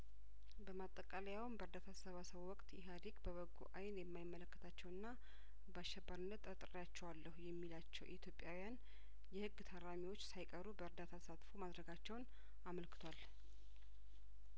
በማጠቃለያውም በእርዳታ አሰባሰቡ ወቅት ኢህአዲግ በበጐ አይን የማይመለከታቸውና በአሸባሪነት ጠርጥሬያቸዋለሁ የሚላቸው ኢትዮጵያውያን የህግ ታራሚዎች ሳይቀሩ በእርዳታ ተሳትፎ ማድረጋቸውን አመልክቷል